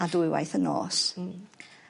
A dwy waith y nos. Hmm.